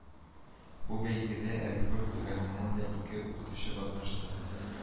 Бу бәйгедә Оренбур төбәгеннән дә ике укытучы катнашты